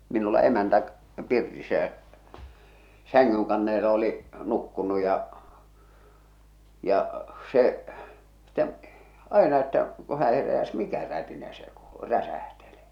minulla emäntä pirtissä ja sängynkannelle oli nukkunut ja ja se sitten aina että kun hän heräsi mikä rätinä se kuului räsähteli